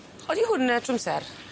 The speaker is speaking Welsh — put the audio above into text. Odi hwn 'ne trw amser?